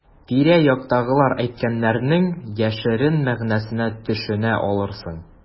Тирә-яктагылар әйткәннәрнең яшерен мәгънәсенә төшенә алырсың.